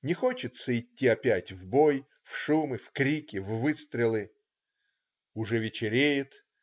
Не хочется идти опять в бой, в шумы, в крики, в выстрелы. Уже вечереет.